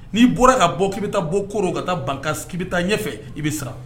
N'i bɔra ka bɔ k'i bɛ taa bɔ ko ka taa ban k'i taa ɲɛfɛ i bɛ siran